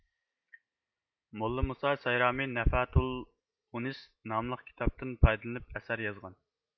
موللا مۇسا سايرامى نەفھاتۇلئۇنىس ناملىق كىتابتىن پايدىلىنىپ ئەسەر يازغان